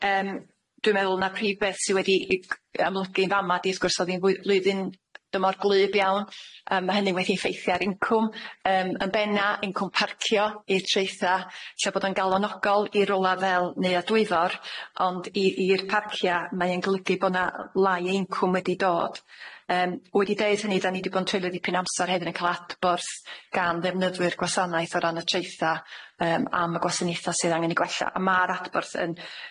yym dwi'n meddwl na'r prif beth sy wedi 'i amlygu yn fa'ma 'di wrth gwrs oddi'n flwy- flwyddyn dymor gwlyb iawn yym ma' hynny wedi ffeithio ar incwm yym yn benna incwm parcio i'r traetha lle bod o'n galonogol i rwla fel Neuadd Dwyfor ond i i'r parcia mae yn golygu bo' 'na yy lai incwm wedi dod yym wedi deud hynny 'dan ni 'di bo'n treulio dipyn o amsar hefyd yn ca'l adborth gan ddefnyddwyr gwasanaeth o ran y treutha yym am y gwasaneutha sydd angen 'i gwella a ma'r adborth yn